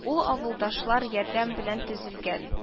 Ул авылдашлар ярдәм белән төзелгән